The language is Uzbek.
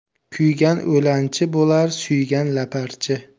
kuygan o'lanchi bo'lar suygan laparchi